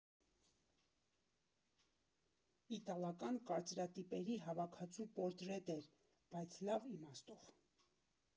Իտալական կարծրատիպերի հավաքածու պորտրետ էր, բայց լավ իմաստով։